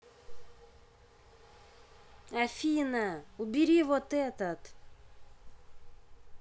афина убери вот этот